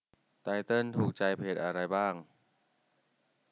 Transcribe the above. ไตเติ้ลถูกใจเพจอะไรบ้าง